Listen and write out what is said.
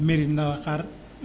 Merina Khare